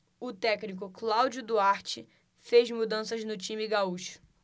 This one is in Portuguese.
o técnico cláudio duarte fez mudanças no time gaúcho